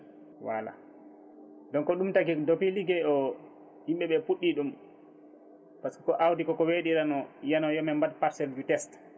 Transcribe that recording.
voilà donc ɗum tagui nde fi ligguey o yimɓeɓe puɗɗi ɗum par ce que ko awdi koko weɗirano wiyano yomin mbaat parcelle du test